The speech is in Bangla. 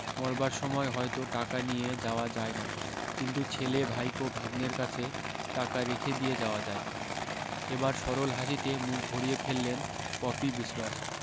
মরবার সময় হয়তো টাকা নিয়ে যাওয়া যায় না কিন্তু ছেলে ভাইপো ভাগ্নের কাছে টাকা রেখে দিয়ে যাওয়া যায় এবার সরল হাসিতে মুখ ভরিয়ে ফেললেন পপি বিশোয়াস